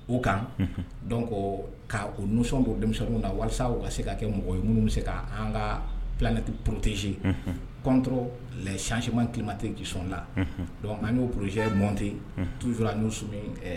U kan dɔn ko ka osɔn dɔw denmisɛn min na walasasa u ka se ka kɛ mɔgɔ minnu se k' an ka pɛti porotezsi kɔntɔ lasisiman tilema tɛ kisɔnon la an'ouruzjɛ mɔnte tuur n'u su